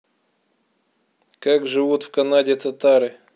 как живут в канаде татары